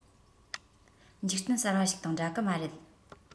འཇིག རྟེན གསར པ ཞིག དང འདྲ གི མ རེད